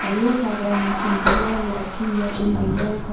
har luttakararnir fingu høvi at kaga inn í verð